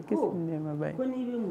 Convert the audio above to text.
I